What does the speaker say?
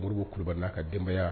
Moribo Kulubali n'a ka denbaya